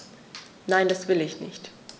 Nein, das will ich nicht.